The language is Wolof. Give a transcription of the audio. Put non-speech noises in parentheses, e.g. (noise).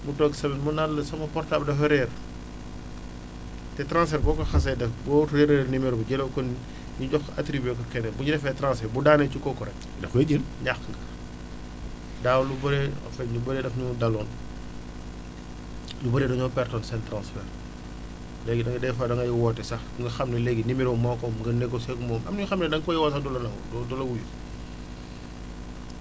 mu toog semaine mu naan la sama portable dafa réer te transfert boo ko xasee def boo fi réeralee numéro bi jëloo ko ñu jox ko attribué ko keneen bu ñu defee transfert bu daanoo ci kooku rek dakoy jël ñàkk nga daaw lu bëre en fait lu bëre dafa ñoo daloon (smacks lips) ñu bëre dañoo perte seen transfert léegi da ngay des fois da ngay woote sax nga léegi numéro am moo ko moom nga négocier ak moom am na ñoo xam ne da nga koy woo sax du la nangoo du du la wuyu